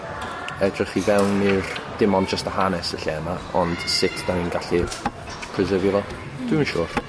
Edrych i fewn i'r dim ond jyst y hanes y lle 'ma ond sut sut 'dan ni'n gallu preserfio fo. Hmm. Dwi'm yn siwr.